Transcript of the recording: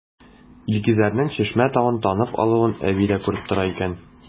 Илгизәрнең Чишмә тавын танып алуын әби дә күреп тора икән.